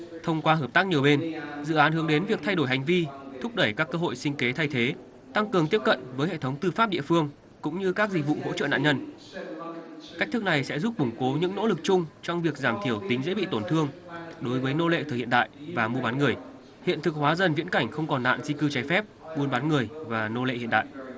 thông qua hợp tác nhiều bên dự án hướng đến việc thay đổi hành vi thúc đẩy các cơ hội sinh kế thay thế tăng cường tiếp cận với hệ thống tư pháp địa phương cũng như các dịch vụ hỗ trợ nạn nhân cách thức này sẽ giúp củng cố những nỗ lực chung trong việc giảm thiểu tính dễ bị tổn thương đối với nô lệ thời hiện đại và mua bán người hiện thực hóa dần viễn cảnh không còn nạn di cư trái phép buôn bán người và nô lệ hiện đại